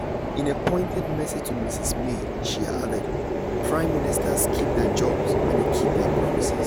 In a pointed message to Mrs May, she added: 'Prime ministers keep their jobs when they keep their promises.'